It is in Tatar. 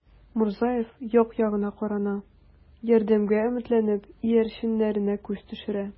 Мурзаев як-ягына карана, ярдәмгә өметләнеп, иярченнәренә күз төшерә.